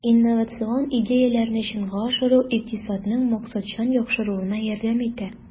Инновацион идеяләрне чынга ашыру икътисадның максатчан яхшыруына ярдәм итә.